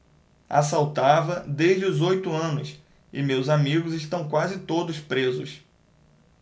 assaltava desde os oito anos e meus amigos estão quase todos presos